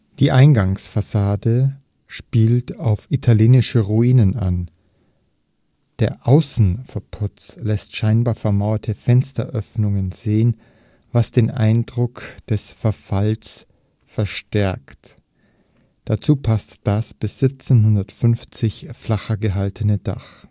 Die Eingangsfassade spielt auf italienische Ruinen an, der Außenverputz lässt scheinbar vermauerte Fensteröffnungen sehen, was den Eindruck des verfallenen Zustands verstärkt. Dazu passte das bis 1750 flacher gehaltene Dach